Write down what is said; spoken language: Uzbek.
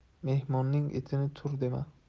mehmonning itini tur dema